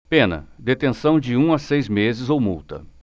pena detenção de um a seis meses ou multa